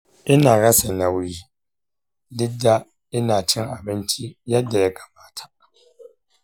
ina rasa nauyi duk da ina cin abinci yadda ya kamata.